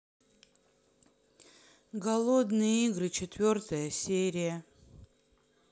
голодные игры четвертая серия